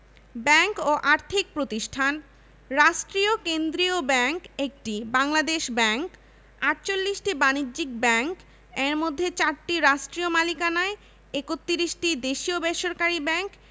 bank ও আর্থিক প্রতিষ্ঠানঃ রাষ্ট্রীয় কেন্দ্রীয় ব্যাংক ১টি বাংলাদেশ ব্যাংক ৪৮টি বাণিজ্যিক ব্যাংক এর মধ্যে ৪টি রাষ্ট্রীয় মালিকানায় ৩১টি দেশী বেসরকারি ব্যাংক